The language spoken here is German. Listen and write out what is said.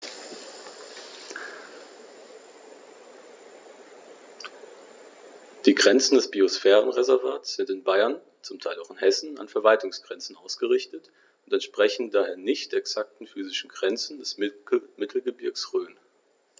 Die Grenzen des Biosphärenreservates sind in Bayern, zum Teil auch in Hessen, an Verwaltungsgrenzen ausgerichtet und entsprechen daher nicht exakten physischen Grenzen des Mittelgebirges Rhön.